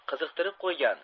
qiziqtirib qo'ygan